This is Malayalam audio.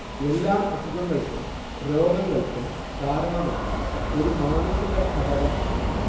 എല്ലാ അസുഖങ്ങൾക്കും രോഗങ്ങൾക്കും കാരണമായി ഒരു മാനസികഘടകം ഉണ്ട്